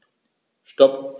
Stop.